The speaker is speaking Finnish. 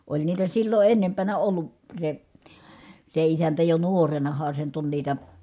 oli niitä silloin ennempänä ollut se se isäntä jo nuorenahan se nyt on niitä